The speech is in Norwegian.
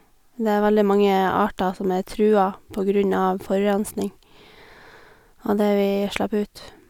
Det er veldig mange arter som er trua på grunn av forurensning og det vi slepp ut.